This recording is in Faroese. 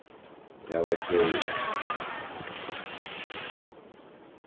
tað var keðiligt